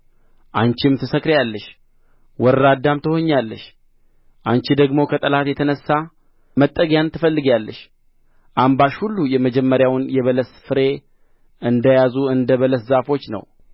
አንቺም ትሰክሪአለሽ ወራዳም ትሆኛለሽ አንቺ ደግሞ ከጠላት የተነሣ መጠጊያን ትፈልጊአለሽ አምባሽ ሁሉ የመጀመሪያውን የበሰለ ፍሬ እንደ ያዙ እንደ በለስ ዛፎች ነው